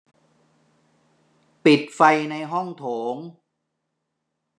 ปิดไฟในห้องโถง